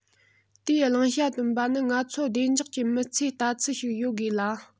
དེའི བླང བྱ བཏོན པ ནི ང ཚོར བདེ འཇགས ཀྱི མི ཚེའི ལྟ ཚུལ ཞིག ཡོད དགོས ལ